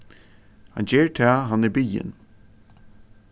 hann ger tað hann er biðin